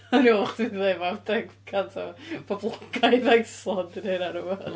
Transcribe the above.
O'n i'n meddwl bod chdi'n mynd i ddeud ma' deg y cant o boblogaeth Iceland yn heina neu wbath.